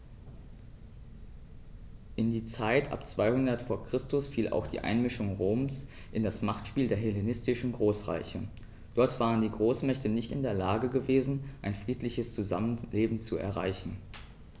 In die Zeit ab 200 v. Chr. fiel auch die Einmischung Roms in das Machtspiel der hellenistischen Großreiche: Dort waren die Großmächte nicht in der Lage gewesen, ein friedliches Zusammenleben zu erreichen.